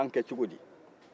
i y'an kɛ cogo di